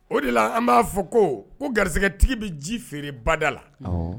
O de la an b'a fɔ ko, ko garisɛgɛtigi bɛ ji feere bada la, awɔ